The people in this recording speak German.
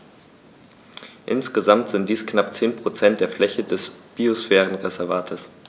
Insgesamt sind dies knapp 10 % der Fläche des Biosphärenreservates.